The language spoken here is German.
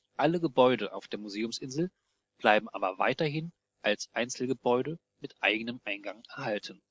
Alle Gebäude auf der Museumsinsel bleiben aber weiterhin als Einzelgebäude mit eigenem Eingang erhalten